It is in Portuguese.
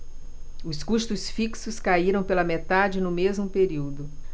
os custos fixos caíram pela metade no mesmo período